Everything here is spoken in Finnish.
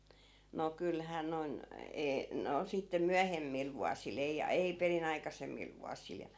no kyllähän noin - no sitten myöhemmillä vuosilla ei ei perin aikaisemmilla vuosilla ja